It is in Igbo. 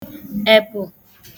ebụ̄